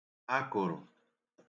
akùrù